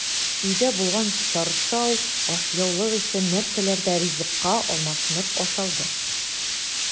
Өйдә булган чаршау, ашъяулык ише нәрсәләр дә ризыкка алмашынып ашалды.